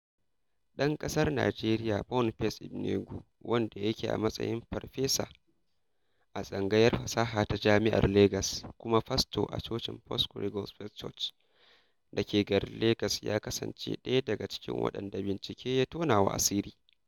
ɗan ƙasar Nijeriya Boniface Igbeneghu, wanda yake a matsayin farfesa a tsangayar fasaha ta Jami'ar Legas kuma fasto a cocin Foursƙuare Gospel Church da ke garin Legas ya kasance ɗaya daga cikin waɗanda binciken ya tonawa asiri.